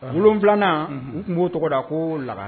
7 na u kun bo tɔgɔ da ko la